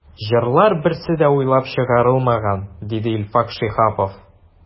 “җырлар берсе дә уйлап чыгарылмаган”, диде илфак шиһапов.